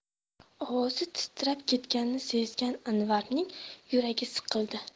ovozi titrab ketganini sezgan anvarning yuragi siqildi